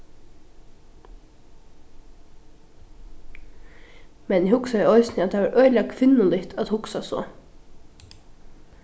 men eg hugsaði eisini at tað var øgiliga kvinnuligt at hugsa so